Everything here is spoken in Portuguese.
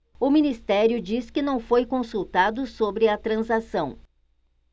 o ministério diz que não foi consultado sobre a transação